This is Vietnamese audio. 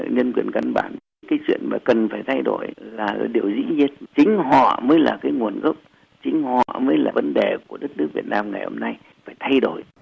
nhân quyền căn bản cái chuyện mà cần phải thay đổi là điều dĩ nhiên chính họ mới là cái nguồn gốc chính họ mới là vấn đề của đất nước việt nam ngày hôm nay phải thay đổi